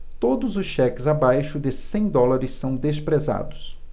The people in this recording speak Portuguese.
todos os cheques abaixo de cem dólares são desprezados